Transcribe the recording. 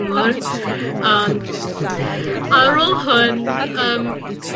ngŵr a'n ar ôl hwn yym